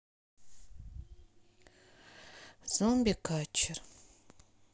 зомби катчер